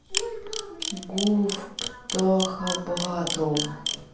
гуф птаха батл